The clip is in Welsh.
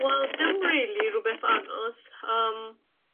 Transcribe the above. wel dim rili, rwbeth anodd yym.